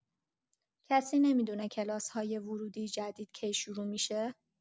کسی نمی‌دونه کلاس‌های ورودی جدید کی شروع می‌شه؟